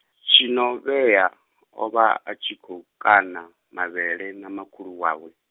Tshinovhea, o vha a tshi khou kana, mavhele na makhulu wawe.